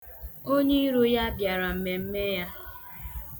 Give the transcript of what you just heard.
Onyeiro ya bịara mmemme ya.